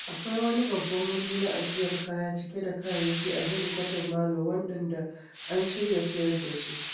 Akwai wani babban wuri na ajiyar kaya cike da kayayyaki a hedikwatar Marlow waɗanda an shirya sayar da su.”